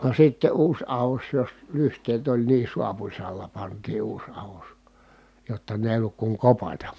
ka sitten uusi ahdos jos lyhteet oli niin saapusalla pantiin uusi ahdos jotta ne ei ollut kuin kopata